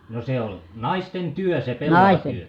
no se oli naisten työ se pellavatyö